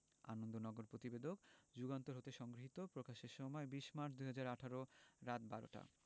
আনন্দনগর প্রতিবেদক যুগান্তর হতে সংগৃহীত প্রকাশের সময় ২০মার্চ ২০১৮ রাত ১২:০০ টা